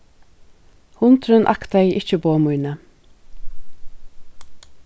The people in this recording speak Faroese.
hundurin aktaði ikki boð míni